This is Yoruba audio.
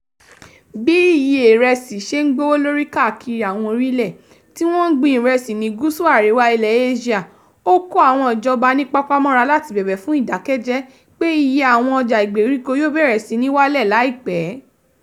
Bí iye ìrẹsì ṣé ń gbówó lórí káàkiri àwọn orílẹ̀ tí wọ́n ti ń gbin ìrẹsì ní GúúsùÀríwá Ilẹ̀ Éṣíà, ó kó àwọn ìjọba ní papámọ́ra láti bèbè fún ìdákẹ́jẹ́ pé iye àwọn ọjà ìgbèríko yóò bẹ̀rẹ̀ sí níí wálẹ̀ láìpẹ́.